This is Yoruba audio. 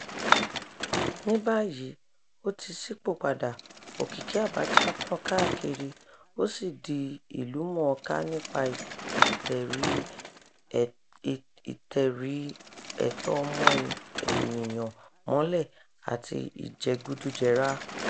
Ní báyìí ó ti ṣípò-padà, òkìkí Abacha tàn káàkiri ó sì di ìlú-mọ̀-ọ́-ká nípa ìtẹrí ẹ̀tọ́ ọmọ-ènìyàn mọ́lẹ̀ àti ìjẹgùdùjẹrà.